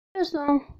མཆོད སོང